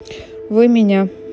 вы меня